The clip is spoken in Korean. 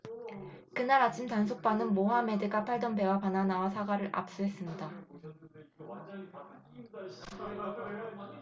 그날 아침 단속반은 모하메드가 팔던 배와 바나나와 사과를 압수했습니다